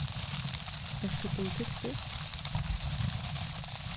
ert tú politistur